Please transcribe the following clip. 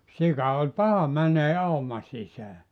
sika oli paha menemään auman sisään